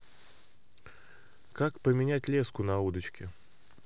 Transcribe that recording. как поменять леску на удочке